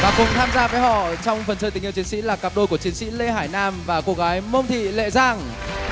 và cùng tham gia với họ trong phần chơi tình yêu chiến sĩ là cặp đôi của chiến sĩ lê hải nam và cô gái mông thị lệ giang